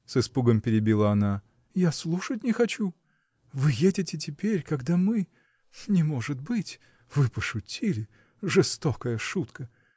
— с испугом перебила она, — я слушать не хочу! Вы едете теперь, когда мы. Не может быть! Вы пошутили: жестокая шутка!